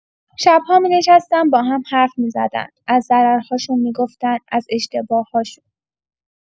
شب‌ها می‌نشستن با هم حرف می‌زدن، از ضررهاشون می‌گفتن، از اشتباه‌هاشون.